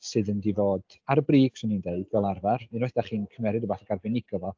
sydd yn mynd i fod ar y brig, 'swn i'n deud, fel arfer, unwaith dach chi'n cymeryd rywbeth ac arbenigo fo...